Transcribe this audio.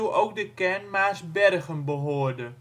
ook de kern Maarsbergen behoorde